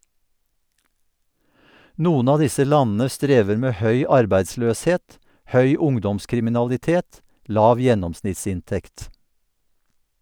Noen av disse landene strever med høy arbeidsløshet, høy ungdomskriminalitet, lav gjennomsnittsinntekt.